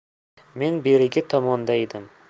men berigi tomonda edim